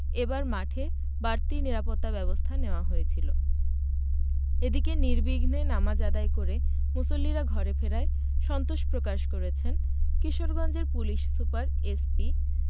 এবার মাঠে বাড়তি নিরাপত্তাব্যবস্থা নেওয়া হয়েছিল এদিকে নির্বিঘ্নে নামাজ আদায় করে মুসল্লিরা ঘরে ফেরায় সন্তোষ প্রকাশ করেছেন কিশোরগঞ্জের পুলিশ সুপার এসপি